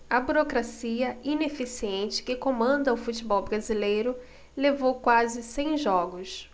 a burocracia ineficiente que comanda o futebol brasileiro levou quase cem jogos